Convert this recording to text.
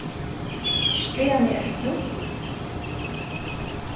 hvaðani ert tú